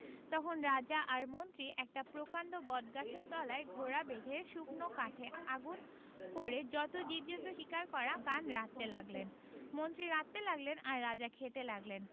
তখন রাজা আর মন্ত্রী একটা প্রকাণ্ড বটগাছের তলায় ঘোড়া বেঁধে শুকনো কাঠে আগুন করে যত জীবজন্তুর শিকার করা কান রাঁধতে লাগলেন মন্ত্রী রাঁধতে লাগলেন আর রাজা খেতে লাগলেন